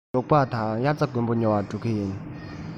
ལུག པགས དང དབྱར རྩྭ དགུན འབུ ཉོ བར འགྲོ གི ཡིན